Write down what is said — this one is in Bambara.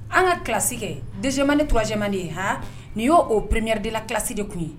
An ka classe kɛ 2 année 3 année Han, ni ye o première de classe de tun ye